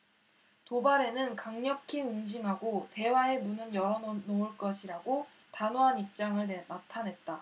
도발에는 강력히 응징하고 대화의 문은 열어 놓을 것이라고 단호한 입장을 나타냈다